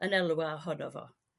yn elw a hono fo.